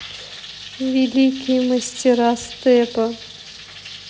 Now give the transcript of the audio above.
великие мастера степа